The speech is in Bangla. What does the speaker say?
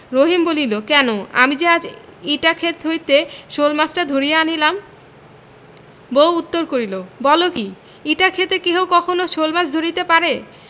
রহিম বলিল কেন আমি যে আজ ইটা ক্ষেত হইতে শোলমাছটা ধরিয়া আনিলাম বউ উত্তর করিল বল কি ইটা ক্ষেতে কেহ কখনো শোলমাছ ধরিতে পারে